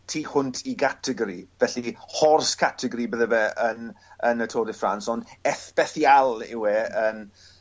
tu hwnt i gategori felly Hors Catégorie bydde fe yn yn y Tour de France ond ethpethial yw e yn